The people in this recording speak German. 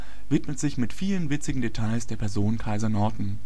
vielen witzigen Details der Person Kaiser Norton